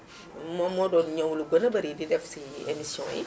moom moo doon ñëw lu gën a bari di def si émissions yi